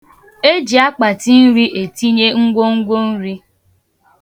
E ji akpatinri etinye ngwongwo nri.